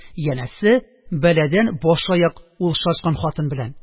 Янәсе, бәладән баш-аяк ул шашкан хатын белән